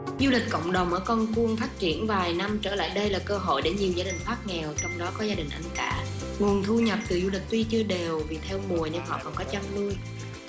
du lịch cộng đồng ở con cuông phát triển vài năm trở lại đây là cơ hội để nhiều gia đình thoát nghèo trong đó có gia đình anh cả nguồn thu nhập từ du lịch tuy chưa đều vì theo mùa nhưng họ còn có chăn nuôi